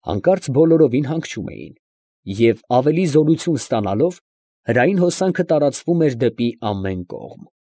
Հանկարծ բոլորովին հանգչում էին, և ավելի զորություն ստանալով, հրային հոսանքը տարածվում էր դեպի ամեն կողմ։